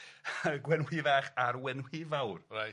yy Gwenhwyfach a'r Gwenhwyfawr... Reit...